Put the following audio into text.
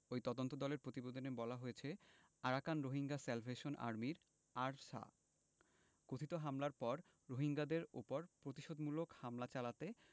ওই তদন্তদলের প্রতিবেদনে বলা হয়েছে আরাকান রোহিঙ্গা স্যালভেশন আর্মির আরসা কথিত হামলার পর রোহিঙ্গাদের ওপর প্রতিশোধমূলক হামলা চালাতে